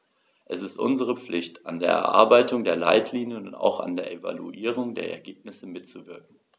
Es ist unsere Pflicht, an der Erarbeitung der Leitlinien und auch an der Evaluierung der Ergebnisse mitzuwirken.